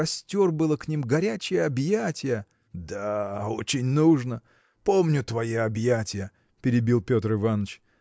простер было к ним горячие объятия. – Да, очень нужно! Помню твои объятия – перебил Петр Иваныч